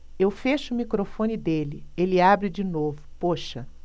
eu fecho o microfone dele ele abre de novo poxa